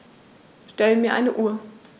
Stell mir eine Uhr.